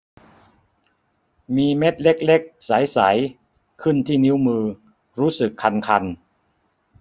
มีเม็ดเล็กเล็กใสใสขึ้นที่นิ้วมือรู้สึกคันคัน